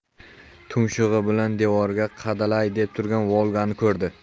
tumshug'i bilan devorga qadalay deb turgan volgani ko'rdi